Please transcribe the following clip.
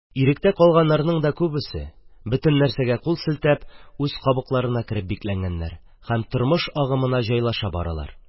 Иректә калганнарның да күбесе бөтен нәрсәгә кул селтәп үз кабыкларына кереп бикләнгәннәр һәм тормыш агымына җайлаша баралар.